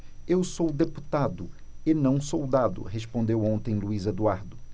eu sou deputado e não soldado respondeu ontem luís eduardo